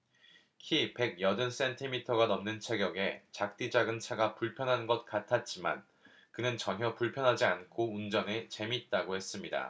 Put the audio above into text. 키 백 여든 센티미터가 넘는 체격에 작디 작은 차가 불편할 것 같았지만 그는 전혀 불편하지 않고 운전이 재미있다고 했습니다